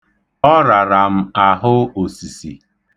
Ọ rara m ahụ osisi.